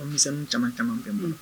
Anw misa caman caman bɛɛ bolo